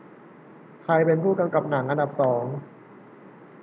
ใครเป็นผู้กำกับหนังอันดับสอง